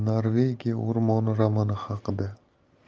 o'rmoni romani haqida